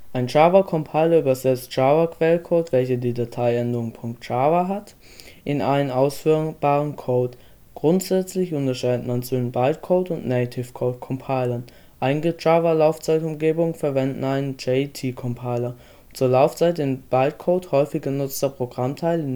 Ein Java-Compiler übersetzt Java-Quellcode (Dateiendung „. java “) in einen ausführbaren Code. Grundsätzlich unterscheidet man zwischen Bytecode - und Nativecode-Compilern. Einige Java-Laufzeitumgebungen verwenden einen JIT-Compiler, um zur Laufzeit den Bytecode häufig genutzter Programmteile